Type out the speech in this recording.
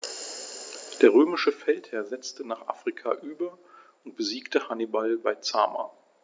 Der römische Feldherr setzte nach Afrika über und besiegte Hannibal bei Zama.